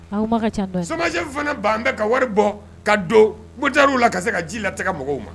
Aw somajɛ fana ban an bɛɛ ka wari bɔ ka don ca la ka se ka ji la tɛ mɔgɔw ma